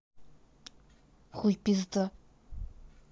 хуй пизда